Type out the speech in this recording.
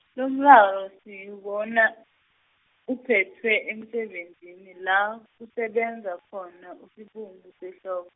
lomraro siwubona, uphethwe emsebenzini la, kusebenza khona uSibungusehlok-.